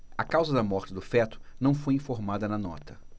a causa da morte do feto não foi informada na nota